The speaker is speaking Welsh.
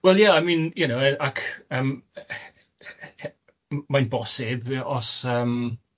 Well yeah, I mean you know ac yym ... M- mae'n bosib os yym